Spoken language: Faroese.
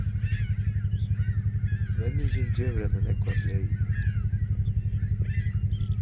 venjingin gevur henni nógva gleði